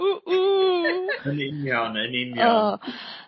w w. Yn union yn union. O